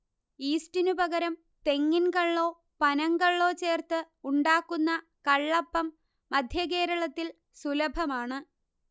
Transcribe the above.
യീസ്റ്റിനു പകരം തെങ്ങിൻ കള്ളോ പനങ്കള്ളോ ചേർത്ത് ഉണ്ടാക്കുന്ന കള്ളപ്പം മധ്യകേരളത്തിൽ സുലഭമാണ്